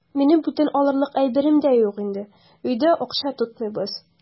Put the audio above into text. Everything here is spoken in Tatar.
Минем бүтән алырлык әйберем дә юк инде, өйдә акча тотмыйбыз.